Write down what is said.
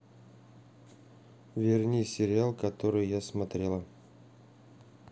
верни сериал который я смотрела